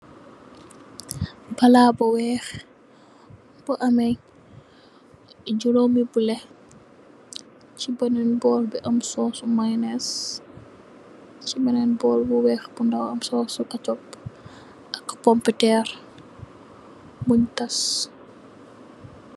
Palaat bu weex bu ame juroomi bulet, ci beneen boor bi am soos su maynes, si beneen bool bu weex bu ndaw, am soos su kacop, ak pompiter bunj tas.